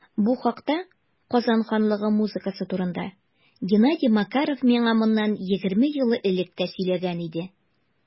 Бу хакта - Казан ханлыгы музыкасы турында - Геннадий Макаров миңа моннан 20 ел элек тә сөйләгән иде.